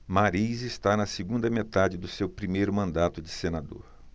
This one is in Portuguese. mariz está na segunda metade do seu primeiro mandato de senador